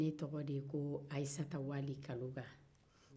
ne tɔgɔ de ye ayisata wali kaloga